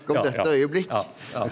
ja ja ja ja.